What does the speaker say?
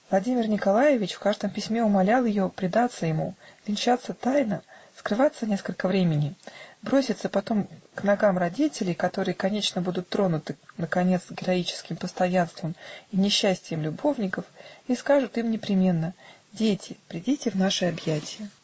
Владимир Николаевич в каждом письме умолял ее предаться ему, венчаться тайно, скрываться несколько времени, броситься потом к ногам родителей, которые, конечно, будут тронуты наконец героическим постоянством и несчастием любовников и скажут им непременно: "Дети! придите в наши объятия".